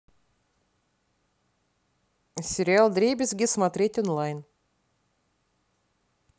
сериал вдребезги смотреть онлайн